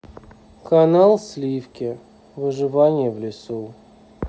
канал сливки выживание в лесу